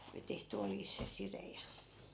oli tehty oljista se side ja